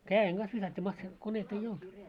käden kanssa viskattiin - masiinakoneita ei ollut